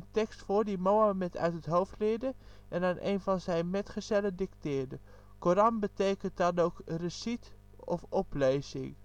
tekst voor die Mohammed uit het hoofd leerde en aan een van zijn metgezellen dicteerde. Koran betekent dan ook reciet of oplezing